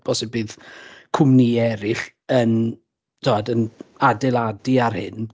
bosib bydd cwmnïau eraill yn tiod yn adeiladu ar hyn.